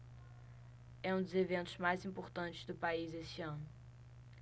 é um dos eventos mais importantes do país este ano